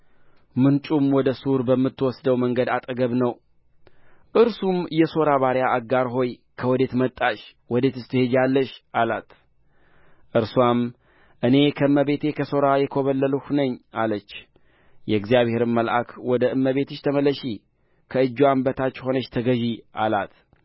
ምንጩም ወደ ሱር በምትወስደው መንገድ አጠገብ ነው እርሱም የሦራ ባሪያ አጋር ሆይ ከወዴት መጣሽ ወዴትስ ትሄጃለሽ አላት እርስዋም እኔ ከእመቤቴ ከሦራ የኮበለልሁ ነኝ አለች የእግዚአብሔር መልአክም ወደ እመቤትሽ ተመለሺ ከእጅዋም በታች ሆነሽ ተገዥ አላት